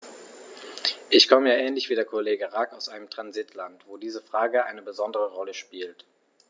Ich komme ja ähnlich wie der Kollege Rack aus einem Transitland, wo diese Frage eine besondere Rolle spielt.